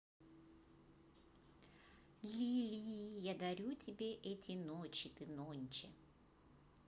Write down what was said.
lily я дарю тебе эти ночи ты нонче